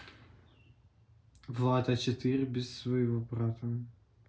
влад а четыре без своего брата